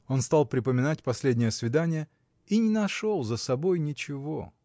Он стал припоминать последнее свидание — и не нашел за собой ничего.